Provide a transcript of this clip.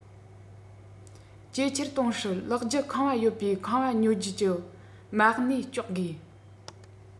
ཇེ ཆེར གཏོང སྲིད ལག བརྒྱུད ཁང པ ཡོད པའི ཁང བ ཉོ རྒྱུ གྱི མ གནས གཅོག དགོས